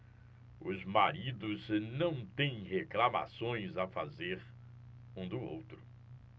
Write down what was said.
os maridos não têm reclamações a fazer um do outro